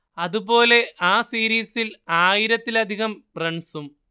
അതുപോലെ ആ സീരീസിൽ ആയിരത്തിലധികം റൺസും